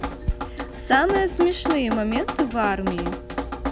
самые смешные моменты в армии